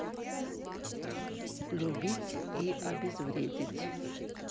любить и обезвредить